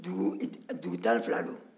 dugu tan ni fila don